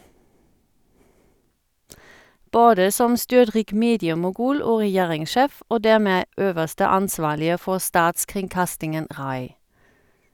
Både som styrtrik mediemogul og regjeringssjef, og dermed øverste ansvarlige for statskringkastingen RAI.